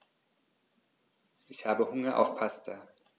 Ich habe Hunger auf Pasta.